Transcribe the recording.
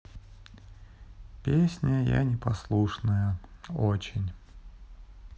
песня я непослушная очень